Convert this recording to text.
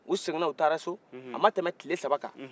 u sekina u taara so a ma tɛmɛ tiile saba kan